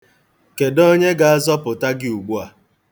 Kedụ onye ga-azọpụta gị ugbu a?